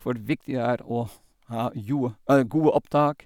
Hvor viktig det er å ha joe gode opptak.